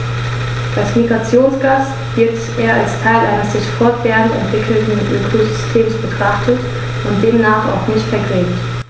Als Migrationsgast wird er als Teil eines sich fortwährend entwickelnden Ökosystems betrachtet und demnach auch nicht vergrämt.